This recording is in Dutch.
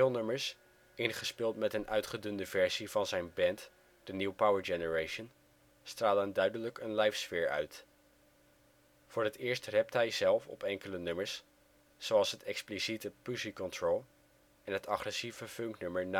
nummers, ingespeeld met een uitgedunde versie van zijn band de New Power Generation, stralen duidelijk een livesfeer uit. Voor het eerst rapt hij zelf op enkele nummers, zoals het expliciete Pussy Control en het agressieve funknummer